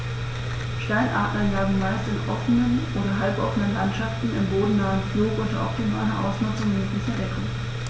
Steinadler jagen meist in offenen oder halboffenen Landschaften im bodennahen Flug unter optimaler Ausnutzung jeglicher Deckung.